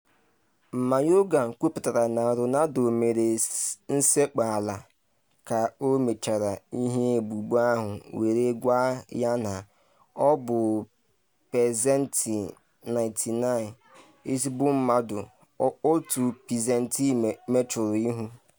Mayorga kwuputara na Ronaldo mere nsekpu ala ka ọ mechara ihe ebubo ahụ were gwa ya na ọ bụ “pesentị 99” “ezigbo mmadụ” “ otu pesentị mechuru ihu.”